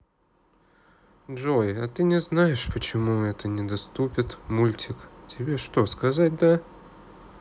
джой а ты не знаешь почему это не доступет мультик тебе что так сказать да